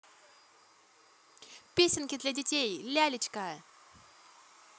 песенки для детей лялечка